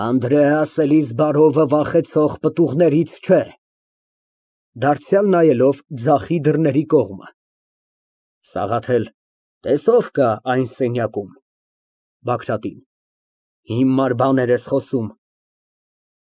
Անդրեաս Էլիզբարովը վախեցող պտուղներից չէ։ (Դարձյալ նայելով ձախ դռների կողմը) Սաղաթել, տես ով կա այն սենյակում։ (Բագրատին) Հիմար բաներ ես խոսում։